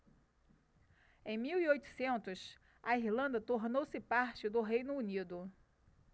em mil e oitocentos a irlanda tornou-se parte do reino unido